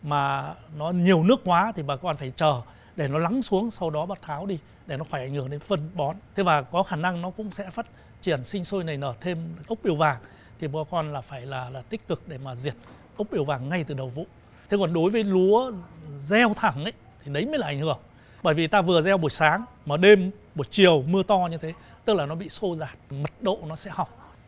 mà nó nhiều nước quá thì bà còn phải chờ để nó lắng xuống sau đó bác tháo đi để nó phải ảnh hưởng đến phân bón thế bà có khả năng nó cũng sẽ phát triển sinh sôi nảy nở thêm ốc bươu vàng thì bà con là phải là là tích cực để mà diệt ốc bưu vàng ngay từ đầu vụ thế còn đối với lúa gieo thẳng ấy thì đấy mới là ảnh hưởng bởi vì ta vừa gieo buổi sáng mà đêm buổi chiều mưa to như thế tức là nó bị xô dạt mật độ nó sẽ hỏng